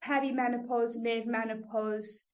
peri-menopos neu'r menopos